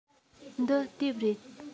འདི དེབ རེད